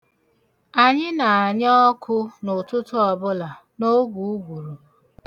Anyị na-anya ọkụ n'ụtụtụ ọbụla n'oge ụgụrụ.